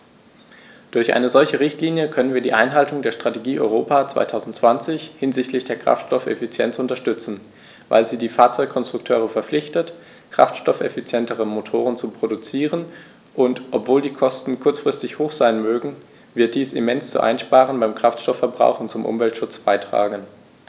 Durch eine solche Richtlinie können wir die Einhaltung der Strategie Europa 2020 hinsichtlich der Kraftstoffeffizienz unterstützen, weil sie die Fahrzeugkonstrukteure verpflichtet, kraftstoffeffizientere Motoren zu produzieren, und obwohl die Kosten kurzfristig hoch sein mögen, wird dies immens zu Einsparungen beim Kraftstoffverbrauch und zum Umweltschutz beitragen.